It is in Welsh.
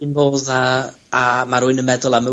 un modd â â ma' rywun yn meddwl am y...